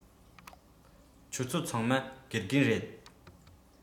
ཁྱོད ཚོ ཚང མ དགེ རྒན རེད